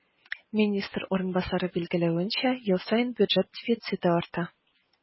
Министр урынбасары билгеләвенчә, ел саен бюджет дефициты арта.